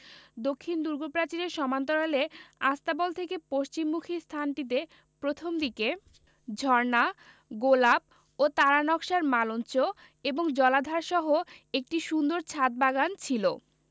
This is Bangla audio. দক্ষিণ দুর্গপ্রাচীরের সমান্তরালে আস্তাবল থেকে পশ্চিমমুখি স্থানটিতে প্রথম দিকে ঝর্ণা গোলাপ ও তারা নকশার মালঞ্চ এবং জলাধারসহ একটি সুন্দর ছাদ বাগান ছিল